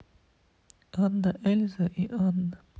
анна эльза и анна